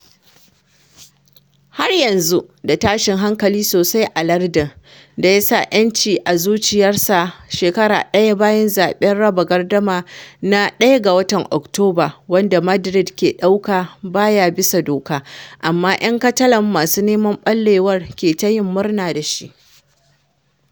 Har yanzu da tashin hankali sosai a lardin da ya sa ‘yanci a zuciyarsa shekara ɗaya bayan zaɓen raba gardama na 1 ga Oktoba wanda Madrid ke ɗauka ba ya bisa doka amma ‘yan Catalan masu neman ɓallewa ke ta yin murna da shi.